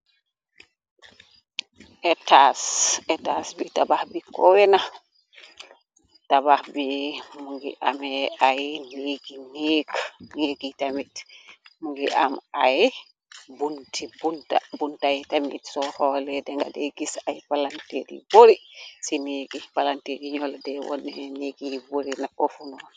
etas bi tabax bi kowena tabax bi mu ngi amee ay nigi nk,niki tamit mu ngi am ay buntay tamit so xoole denga de gis ay palantiir yi boori ci nigi palantir yi ño la de wonne nigi yi boori na ofunoon.